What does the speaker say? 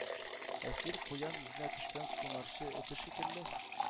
Әсир, куян эзенә төшкән сунарчы эте шикелле,